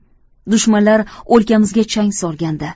dushmanlar o'lkamizga chang solganda